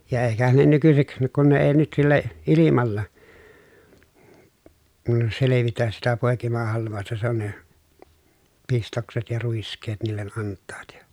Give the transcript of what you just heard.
ja eikähän ne nykyisin kun ne ei nyt sillä ilmalla selvitä sitä poikimahalvausta se on ne pistokset ja ruiskeet niille antavat ja